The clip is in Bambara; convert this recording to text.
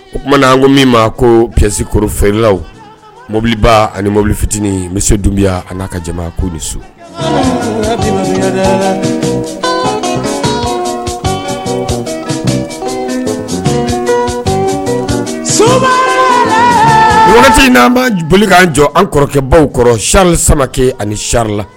O tumaumana an ko min ma ko psikoro feerelaw mobiliba ani mɔbili fitinin misi dunbiya ani'a ka jama ko de so so waatifin' an b'an boli k'an jɔ an kɔrɔkɛbaw kɔrɔ siri samakɛ ani sarila